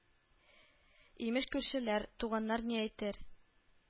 Имеш күршеләр, туганнар ни әйтер